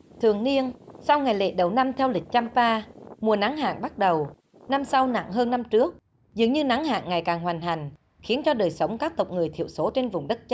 thường niên sau ngày lễ đầu năm theo lịch chăm pa mùa nắng hạn bắt đầu năm sau nặng hơn năm trước dường như nắng hạn ngày càng hoành hành khiến cho đời sống các tộc người thiểu số trên vùng đất